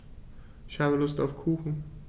Ich habe Lust auf Kuchen.